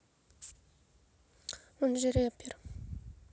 он же репер